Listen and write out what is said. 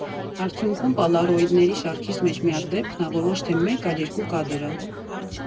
Արդյունքում պալառոիդների շարքիս մեջ միակ դեպքն ա, որ ոչ թե մեկ, այլ երկու կադր ա.